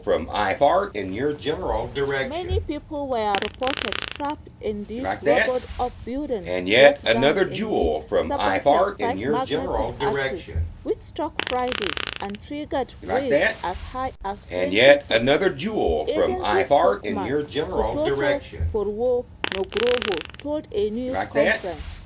Many people were reported trapped in the rubble of buildings brought down in the 7.5 magnitude earthquake which struck Friday and triggered waves as high as 20 feet, agency spokesman Sutopo Purwo Nugroho told a news conference.